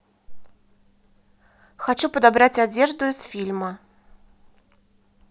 хочу подобрать одежду из фильма